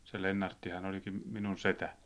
se Lennarttihan olikin minun setä